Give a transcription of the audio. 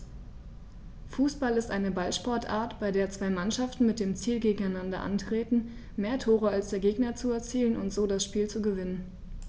Fußball ist eine Ballsportart, bei der zwei Mannschaften mit dem Ziel gegeneinander antreten, mehr Tore als der Gegner zu erzielen und so das Spiel zu gewinnen.